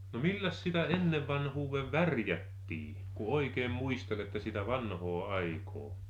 no milläs sitä ennen vanhaan värjättiin kun oikein muistelette sitä vanhaa aikaa